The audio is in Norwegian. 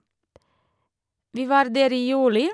Vi var der i juli.